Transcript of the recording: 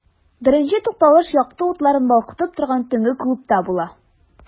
Беренче тукталыш якты утларын балкытып торган төнге клубта була.